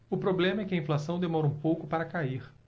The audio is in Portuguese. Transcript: o problema é que a inflação demora um pouco para cair